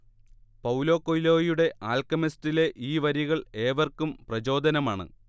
Paulo കൊയ്ലോയുടെ ആൽക്കെമിസ്റ്റിലെ ഈ വരികൾ ഏവർക്കും പ്രചോദനമാണ്